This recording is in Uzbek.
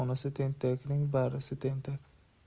onasi tentakning barisi tentak